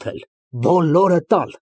ԱՐԱՐՎԱԾ ԵՐՐՈՐԴ Նույն տեսարանը։ Երեկո է։